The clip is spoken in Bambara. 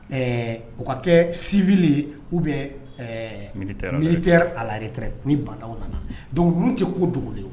Ɛɛkɛ siv k'u bɛ minite alare ni bandaw nana do' tɛ ko dugulen